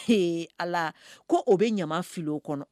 Ala ko o bɛ ɲamaw kɔnɔ